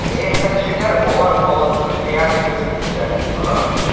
Сәясәтчеләр алар халыкның реакциясен күзәтеп тора.